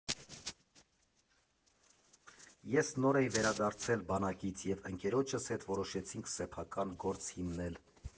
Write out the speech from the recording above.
Ես նոր էի վերադարձել բանակից, և ընկերոջս հետ որոշեցինք սեփական գործ հիմնել։